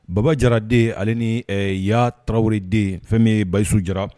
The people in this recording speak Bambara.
Baba jara de ale ni ya tarawelewden fɛn bɛ basiyisu jara